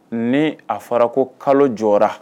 Ni a fɔra ko kalo jɔ